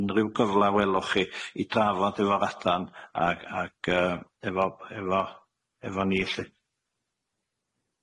unrhyw gyfla welwch chi i drafod efo'r adran ag ag yy efo efo efo ni lly.